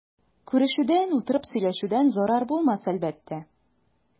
Күрешүдән, утырып сөйләшүдән зарар булмас әлбәттә.